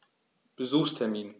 Besuchstermin